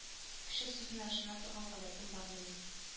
Кеше сүзенә ышана торган гадәтем бар минем